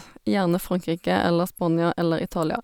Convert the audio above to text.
Gjerne Frankrike eller Spania eller Italia.